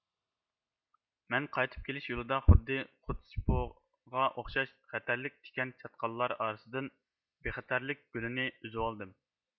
مەن قايتىپ كېلىش يولىدا خۇددى خوتسپوغا ئوخشاش خەتەرلىك تىكەن چاتقاللار ئارىسىدىن بىخەتەرلىك گۈلىنى ئۈزۈۋالدىم